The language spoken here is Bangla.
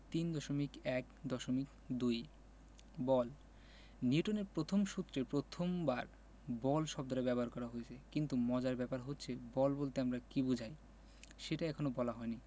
৩.১.২ বল নিউটনের প্রথম সূত্রে প্রথমবার বল শব্দটা ব্যবহার করা হয়েছে কিন্তু মজার ব্যাপার হচ্ছে বল বলতে আমরা কী বোঝাই সেটা এখনো বলা হয়নি